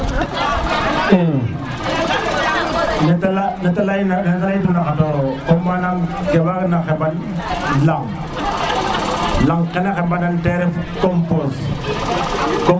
o neta la nete ley nete ley tuna xatora comme manaam ke waag na xemban lang lang ke na xemba nan te ref comme dose